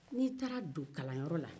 ni i taara don kalanyɔrɔ la